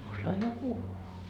osaa puhua